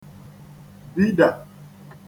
bidà